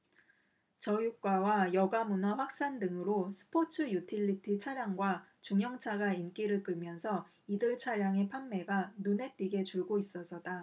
저유가와 여가문화 확산 등으로 스포츠유틸리티차량과 중형차가 인기를 끌면서 이들 차량의 판매가 눈에 띄게 줄고 있어서다